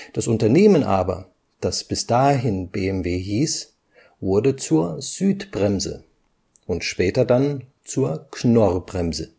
Das Unternehmen aber, das bis dahin BMW hieß, wurde zur Südbremse und später dann zur Knorr-Bremse